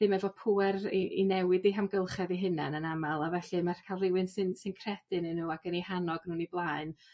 ddim efo pŵer i i newid eu hamgylchedd eu hunen yn amal a felly ma' cael rhywun sy'n sy'n credu ynnyn nw ac yn 'u hannog nw'n 'u blaen